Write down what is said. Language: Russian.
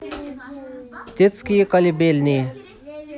детские колыбельные